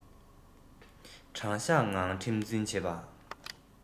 དྲང གཞག ངང ཁྲིམས འཛིན བྱེད པ